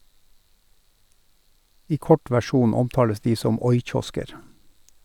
I kort versjon omtales de som oi-kiosker.